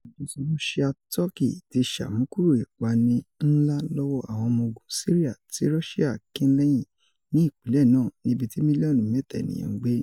Ajọsọ Ruṣia-Tọki ti ṣamukúrò ipani nla lọwọ awọn ọmọ ogun Siria ti Ruṣia kin lẹhin ni ipinlẹ naa, nibiti milionu meta eniyan n gbe.